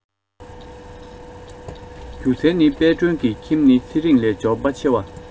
རྒྱུ མཚན ནི དཔལ སྒྲོན གྱི ཁྱིམ ནི ཚེ རིང ལས འབྱོར པ ཆེ བ